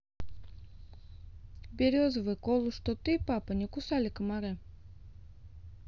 березовый колу что ты папа не не кусали комары